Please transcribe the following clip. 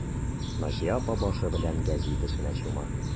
Наҗия апа башы белән гәзит эшенә чума.